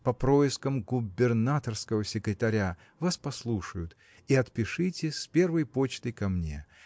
по проискам губернаторского секретаря – вас послушают и отпишите с первой почтой ко мне.